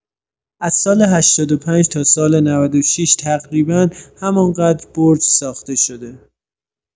از سال ۸۵ تا سال ۹۶ تقریبا همان‌قدر برج ساخته شده.